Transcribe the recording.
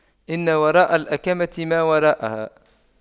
إن وراء الأَكَمةِ ما وراءها